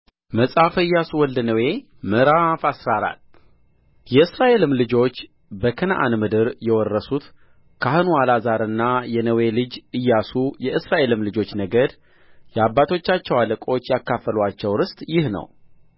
መጽሐፈ ኢያሱ ወልደ ነዌ ምዕራፍ አስራ አራት የእስራኤልም ልጆች በከነዓን ምድር የወረሱት ካህኑ አልዓዛርና የነዌ ልጅ ኢያሱ የእስራኤልም ልጆች ነገድ የአባቶቻቸው አለቆች ያካፈሉአቸው ርስት ይህ ነው